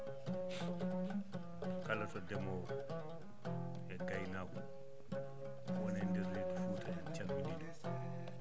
kala to ndemoowo e ngaynaako woni e ndeer leydi Fouta en caminii ɗum